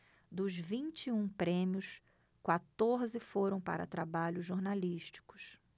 dos vinte e um prêmios quatorze foram para trabalhos jornalísticos